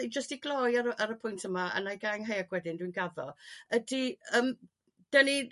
jyst i gloi ar y ar y pwynt yma a 'nai gau 'yn ngheg wedyn dwy'n gaddo ydy yrm dyn ni